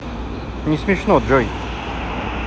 не смешно джой